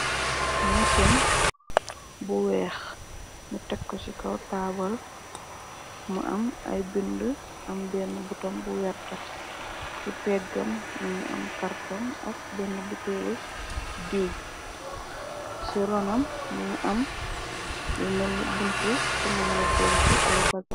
Mësin bu weeh nu tekk ko ci kaw taabl mu am ay bind. Am benn butom bu vert. Ci peggam mu ngi am kartoŋ ak benn butel lu dew. Ci ronam mu ngi am lu melni buntu fu nga mëna denci ay baga.